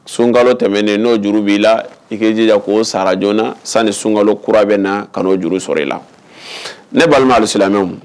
Sunka tɛmɛnnen n'o juru b'i la i k'i jija ko sara joonana san ni sunka kura bɛ na ka n'o juru sɔrɔ i la ne balima ali silamɛ lamɛnmɛmu